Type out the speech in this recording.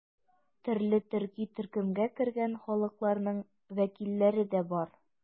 Төрле төрки төркемгә кергән халыкларның вәкилләре дә бар.